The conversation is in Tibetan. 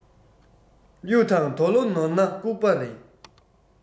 གཡུ དང དོ ལོ ནོར ན ལྐུགས པ རེད